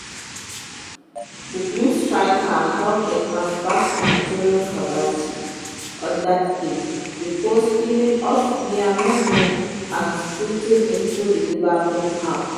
The Blues striker heeled a pass back to Mateo Kovacic on that play, before spinning off near midfield and sprinting into the Liverpool half.